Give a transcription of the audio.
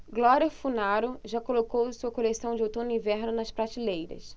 glória funaro já colocou sua coleção de outono-inverno nas prateleiras